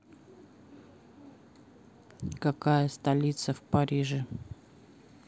какая столица в париже